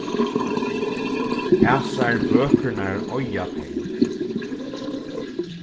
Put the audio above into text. hasar bøkurnar eiga tey